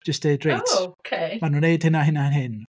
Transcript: Jyst deud reit... o! cei. ...maen nhw'n gwneud hyn a hyn a hyn.